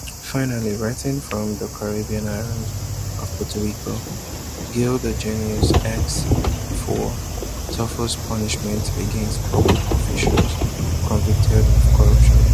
Finally, writing from the Caribbean island of Puerto Rico, “Gil the Jenius” asks for tougher punishments against public officials convicted of corruption.